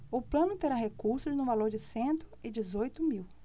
o plano terá recursos no valor de cento e dezoito mil